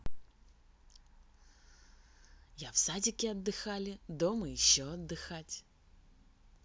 я в садике отдыхали дома еще отдыхать